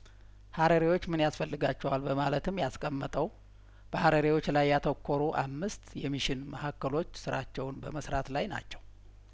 ሀረሪዎች ምን ያስፈልጋቸዋል በማለትም ያስቀመጠው በሀረሪዎች ላይ ያተኮሩ አምስት የሚሽን ማሀከሎች ስራቸውን በመስራት ላይ ናቸው